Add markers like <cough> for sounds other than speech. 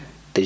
<hesitation> <hesitation>